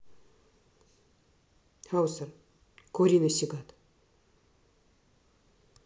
hauser кури насигат